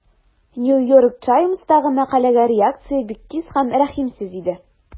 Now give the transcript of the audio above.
New York Times'тагы мәкаләгә реакция бик тиз һәм рәхимсез иде.